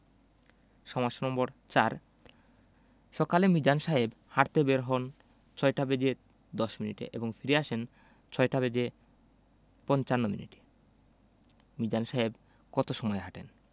সমস্যা নম্বর ৪ সকালে মিজান সাহেব হাঁটতে বের হন ৬টা বেজে ১০ মিনিটে এবং ফিরে আসেন ৬টা বেজে পঞ্চান্ন মিনিটে মিজান সাহেব কত সময় হাঁটেন